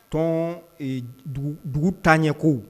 Tɔn dugu taɲɛ ko